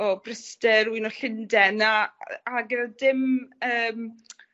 o Bryste, rywun o Llunden a ag odd dim yym